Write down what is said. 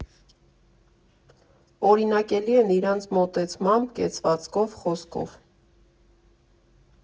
Օրինակելի են իրանց մոտեցմամբ, կեցվածքով, խոսքով։